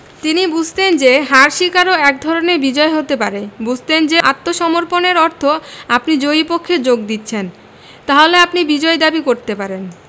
তিনি বুঝতেন যে হার স্বীকারও একধরনের বিজয় হতে পারে বুঝতেন যে আত্মসমর্পণের অর্থ আপনি জয়ী পক্ষে যোগ দিচ্ছেন তাহলে আপনি বিজয় দাবি করতে পারেন